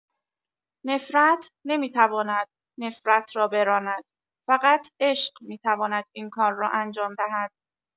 نفرت نمی‌تواند نفرت را براند، فقط عشق می‌تواند این کار را انجام دهد!